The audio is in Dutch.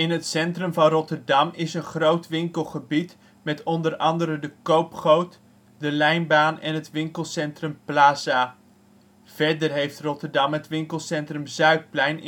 het centrum van Rotterdam is een groot winkelgebied met onder andere de koopgoot, de Lijnbaan en het winkelcentrum Plaza. Verder heeft Rotterdam het winkelcentrum Zuidplein